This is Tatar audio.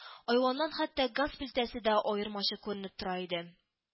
Айваннан хәтта газ плитәсе дә аерымачык күренеп тора иде